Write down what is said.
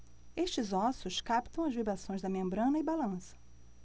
estes ossos captam as vibrações da membrana e balançam